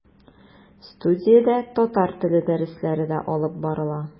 Студиядә татар теле дәресләре дә алып барыла.